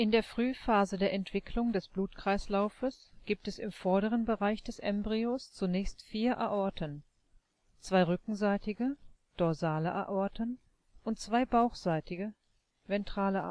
der Frühphase der Entwicklung des Blutkreislaufes gibt es im vorderen Bereich des Embryos zunächst vier Aorten, zwei rückenseitige (dorsale Aorten) und zwei bauchseitige (ventrale